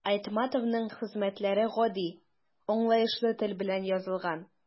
Айтматовның хезмәтләре гади, аңлаешлы тел белән язылган.